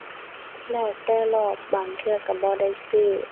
แล้วแต่รอบ บางเทื่อก็บ่ได้ซื้อ